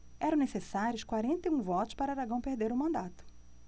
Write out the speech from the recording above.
eram necessários quarenta e um votos para aragão perder o mandato